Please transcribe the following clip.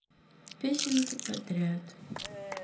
песенки подряд